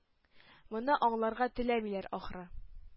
Моны аңларга теләмиләр, ахры.